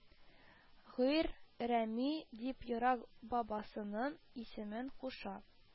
Гыйрь рәми дип ерак бабасының исемен куша